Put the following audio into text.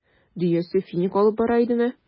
Дөясе финик алып бара идеме?